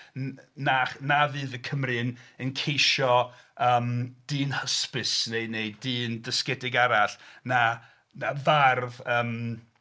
Nach- na fydd y Cymru yn... yn ceisio yym dyn hysbys neu... neu dyn dysgiedig arall na... na fardd...